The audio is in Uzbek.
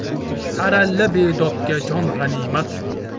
tarallabedodga jon g'animat